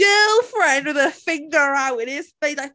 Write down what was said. Girlfriend? With her finger out in his face like...